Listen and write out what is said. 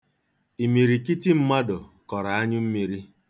Imirikiti mmadụ kọrọ anyụmmiri.